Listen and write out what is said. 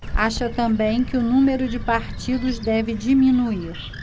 acha também que o número de partidos deve diminuir